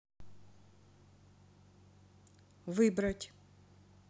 выбрать